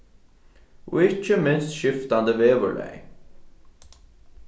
og ikki minst skiftandi veðurlagi